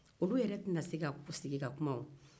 olu yɛrɛ tena se ka sigi ka kuma o